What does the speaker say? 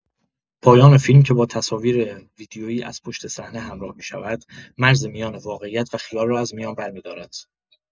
پایان فیلم که با تصاویر ویدیویی از پشت‌صحنه همراه می‌شود، مرز میان واقعیت و خیال را از میان برمی‌دارد.